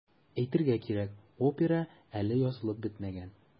Әйтергә кирәк, опера әле язылып бетмәгән.